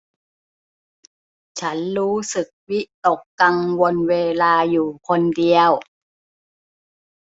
ฉันรู้สึกวิตกกังวลเวลาอยู่คนเดียว